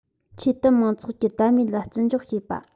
ཆོས དད མང ཚོགས ཀྱི དད མོས ལ བརྩི འཇོག བྱེད པ